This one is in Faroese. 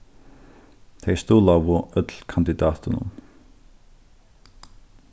tey stuðlaðu øll kandidatinum